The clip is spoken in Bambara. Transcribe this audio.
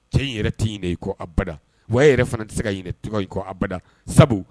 Cɛ in yɛrɛ tɛ ɲinɛ i kɔ abada, wa yɛrɛ fana tɛ se ka ɲinɛ tɔgɔ in kɔ abada, sabu